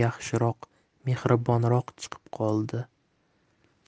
yaxshiroq mehribonroq chiqib qoldi